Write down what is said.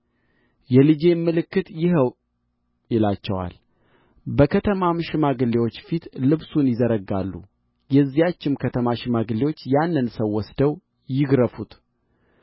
የልጄም ምልክት ይኸው ይላቸዋል በከተማም ሽማግሌዎች ፊት ልብሱን ይዘረጋሉ የዚያችም ከተማ ሽማግሌዎች ያንን ሰው ወስደው ይግረፉት